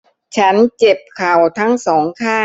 ฉันเจ็บเข่าทั้งสองข้าง